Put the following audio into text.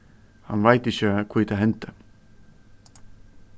hann veit ikki hví tað hendi